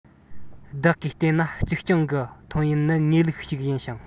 བདག གིས བལྟས ན གཅིག རྐྱང གི ཐོན ཡུལ ནི ངེས ལུགས ཡིན ཞིང